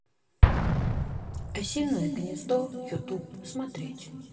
осиное гнездо ютуб смотреть